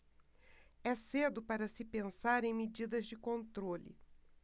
é cedo para se pensar em medidas de controle